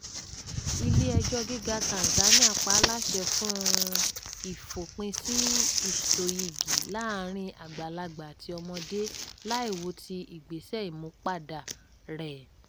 Ilé ẹjọ́ gíga Tanzania pa á láṣẹ fún ìfòpinsí ìsoyìgì láàárín àgbàlagbà àti ọmọdé láì wo ti ìgbésẹ̀ ìmúpadàa rẹ̀